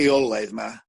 ...rheolaidd 'ma